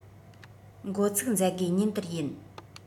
འགོ ཚུགས མཛད སྒོའི ཉིན དེར ཡིན